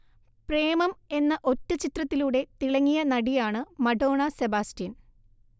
പ്രേമം എന്ന ഒറ്റചിത്രത്തിലൂടെ തിളങ്ങിയ നടിയാണ് മഡോണ സെബാസ്റ്റ്യൻ